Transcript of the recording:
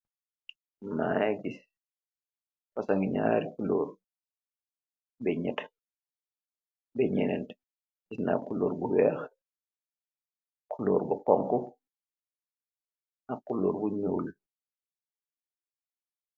Mangi gis, Fashiongi nyari kulor, beh neyta, beh nyenanti. Benna kulor bu weah, kulor bu honku ark kulor bu nure.